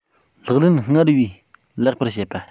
ལག ལེན སྔར ལས ལེགས པར བྱེད པ